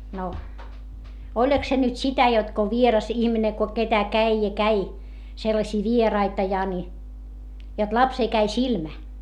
no oliko se nyt sitä jotta kun vieras ihminen kun ketä kävi ja kävi sellaisia vieraita ja niin jotta lapseen kävi silmä